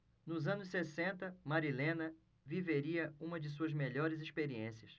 nos anos sessenta marilena viveria uma de suas melhores experiências